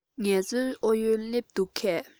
ངལ རྩོལ ཨུ ཡོན སླེབས འདུག གས